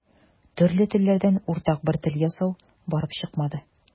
Төрле телләрдән уртак бер тел ясау барып чыкмады.